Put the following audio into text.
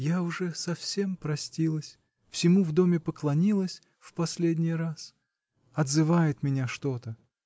я уже со всем простилась, всему в доме поклонилась в последний раз отзывает меня что-то